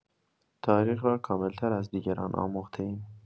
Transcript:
تاریخ را کامل‌تر از دیگران آموخته‌ایم.